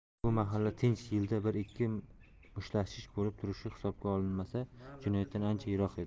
bu mahalla tinch yilda bir ikki mushtlashish bo'lib turishi hisobga olinmasa jinoyatdan ancha yiroq edi